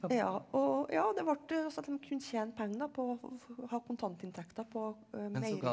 ja og ja det ble altså dem kunne tjene penger på å ha kontantinntekter på .